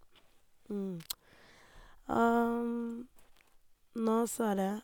Nå så er det...